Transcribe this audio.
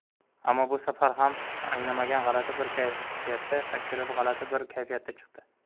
ammo bu safar o'zi ham anglamagan g'alati bir kayfiyatda kirib g'alati bir kayfiyatda chiqdi